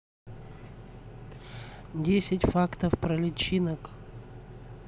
десять фактов про личинок